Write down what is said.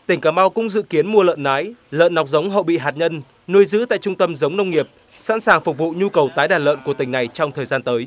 tỉnh cà mau cũng dự kiến mua lợn nái lợn nọc giống hậu bị hạt nhân nuôi giữ tại trung tâm giống nông nghiệp sẵn sàng phục vụ nhu cầu tái đàn lợn của tỉnh này trong thời gian tới